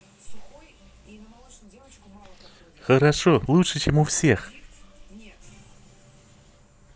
хорошо лучше чем у всех